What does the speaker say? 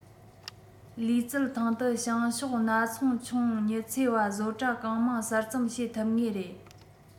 ལུས རྩལ ཐང དུ བྱང ཕྱོགས ན ཚོང ཆུང ཉི ཚེ བ བཟོ གྲྭ གང མང གསར རྩོམ བྱེད ཐུབ ངེས རེད